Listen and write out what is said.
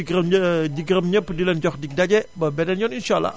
di gërëm ñé di gërëm ñépp di leen jox dig daje ba beneen yoon insaa àllaa